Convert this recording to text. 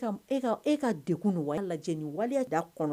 E ka e ka degun lajɛ ni waliya de b'a kɔnɔ